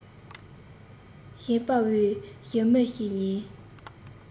ཞེན པའི ཞི མི ཞིག ཡིན